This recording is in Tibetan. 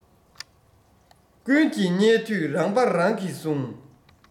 ཀུན གྱིས བརྙས དུས རང དཔའ རང གིས ཟུངས